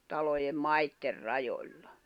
talojen maiden rajoilla